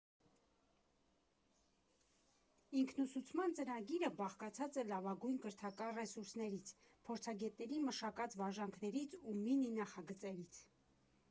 Ինքնուսուցման ծրագիրը բաղկացած է լավագույն կրթական ռեսուրսներից, փորձագետների մշակած վարժանքներից ու մինի֊նախագծերից.